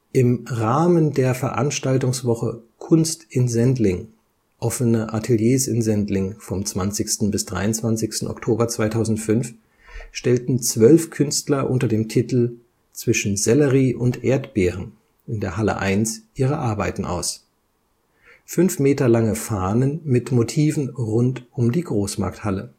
Im Rahmen der Veranstaltungswoche Kunst in Sendling – Offene Ateliers in Sendling (20. – 23. Oktober 2005) stellten zwölf Künstler unter dem Titel „ Zwischen Sellerie und Erdbeeren “in der Halle 1 ihre Arbeiten aus: 5 Meter lange „ Fahnen “mit Motiven rund um die Großmarkthalle